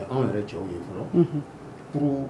Anw yɛrɛ cɛw min kɔrɔ